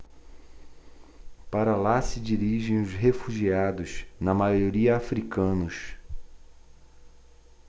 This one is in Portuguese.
para lá se dirigem os refugiados na maioria hútus